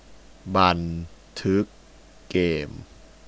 บันทึกเกม